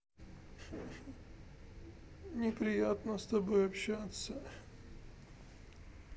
неприятно с тобой общаться